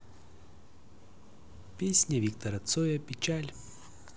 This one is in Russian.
песня виктора цоя печаль